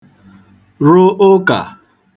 rụ ụkà